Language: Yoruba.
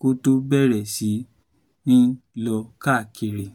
kó tó bẹ̀rẹ̀ sí ni lọ káàkiri.